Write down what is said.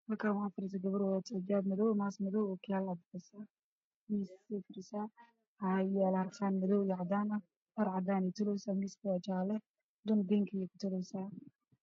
Halkaan waxaa fadhiso gabar wadato xijaab madow ah, maas madow ah iyo ookiyaalo cadeys ah, waxaa agyaalo harqaan madow iyo cadaan ah, maro cadaan ah ayay tuleysaa, miiska waa jaale, bingi ah ayay kutoleysaa.